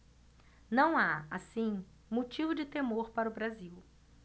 não há assim motivo de temor para o brasil